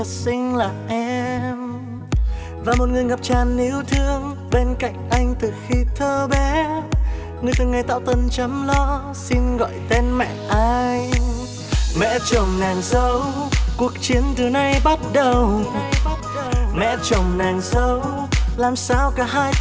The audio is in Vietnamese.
xinh là em và một người ngập tràn yêu thương bên cạnh anh từ khi thơ bé người từng ngày tảo tần chăm lo xin gọi tên mẹ anh mẹ chồng nàng dâu cuộc chiến từ nay bắt đầu mẹ chồng nàng dâu làm sao cả hai